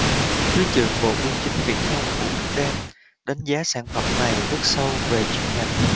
thứ trưởng bộ bưu chính viễn thông vũ đức đam đánh giá sản phẩm này rất sâu về chuyên ngành